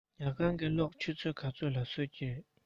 ཉལ ཁང གི གློག ཆུ ཚོད ག ཚོད ལ གསོད ཀྱི རེད